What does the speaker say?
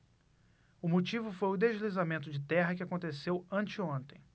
o motivo foi o deslizamento de terra que aconteceu anteontem